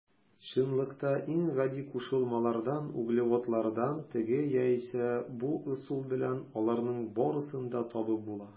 Чынлыкта иң гади кушылмалардан - углеводородлардан теге яисә бу ысул белән аларның барысын да табып була.